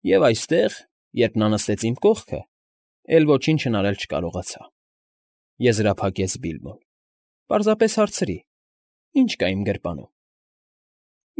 Եվ այստեղ, երբ նա նստեց իմ կողքը, էլ ոչինչ հնարել չկաորղացա,֊ եզրափակեց Բիլբոն,֊ պարզապես հարցրի. «Ի՞նչ կա իմ գրպանում»։